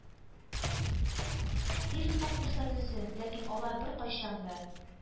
Фильмнар күрсәтелсен, ләкин алар беркайчан да,